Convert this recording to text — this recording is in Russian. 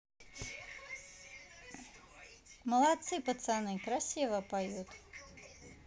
молодцы пацаны красиво поют